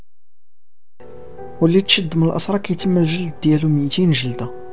وليد شد من اصلك يتم تنشيطه